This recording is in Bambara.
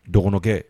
Donkɛ